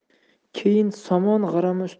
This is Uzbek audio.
keyin somon g'arami